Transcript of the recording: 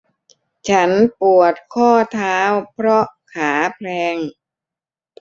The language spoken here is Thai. ฉันปวดข้อเท้าเพราะขาแพลง